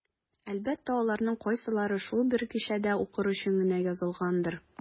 Әлбәттә, аларның кайсылары шул бер кичәдә укыр өчен генә язылгандыр.